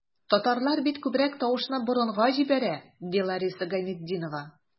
Татарлар бит күбрәк тавышны борынга җибәрә, ди Лариса Гайнетдинова.